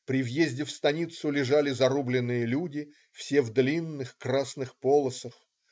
При въезде в станицу лежали зарубленные люди, все в длинных красных полосах.